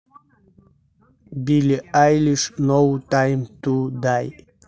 билли айлиш ноу тайм ту дай